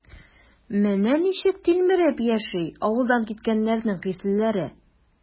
Менә ничек тилмереп яши авылдан киткәннәрнең хислеләре?